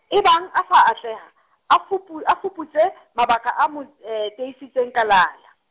ebang a sa atleha, a fupu-, a fuputse, mabaka a mo, teisitseng kalala.